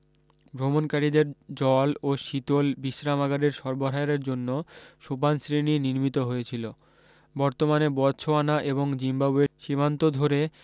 ভ্রমণকারীদের জল ও শীতল বিশরামাগার সরবরাহের জন্য সোপানশ্রেনী নির্মিত হয়েছিলো বর্তমানে বতসোয়ানা এবং জিম্বাবোয়ের সীমান্ত ধরে